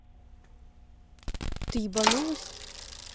ты ебанулась